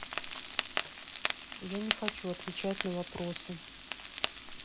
я не хочу отвечать на вопросы